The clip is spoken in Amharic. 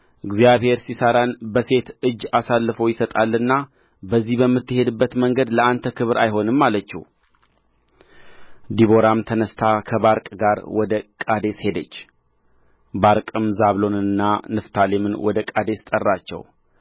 እግዚአብሔር ሲሣራን በሴት እጅ አሳልፎ ይሰጣልና በዚህ በምትሄድበት መንገድ ለአንተ ክብር አይሆንም አለችው ዲቦራም ተነሥታ ከባርቅ ጋር ወደ ቃዴስ ሄደች ባርቅም ዛብሎንንና ንፍታሌምን ወደ ቃዴስ ጠራቸው